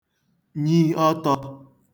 nyi ọtọ̄